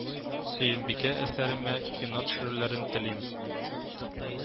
Сөембикә әсәремә кино төшерүләрен телим